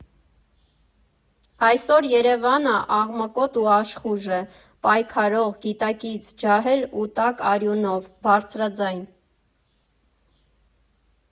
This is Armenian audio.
Այսօր Երևանը աղմկոտ ու աշխույժ է, պայքարող, գիտակից, ջահել ու տաք արյունով, բարձրաձայն։